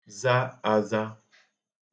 za aza